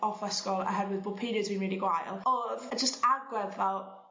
off ysgol oherwydd bo' periods fi'n rili gwael o'dd y jyst agwedd fel